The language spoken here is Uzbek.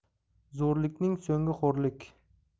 zo'rlikning so'nggi xo'rlik